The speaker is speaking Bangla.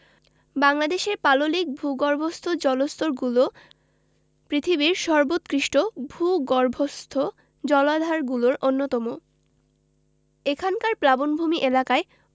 বাংলাদেশের পাললিক ভূগর্ভস্থ জলস্তরগুলো পৃথিবীর সর্বোৎকৃষ্টভূগর্ভস্থ জলাধারগুলোর অন্যতম এখানকার প্লাবনভূমি এলাকায়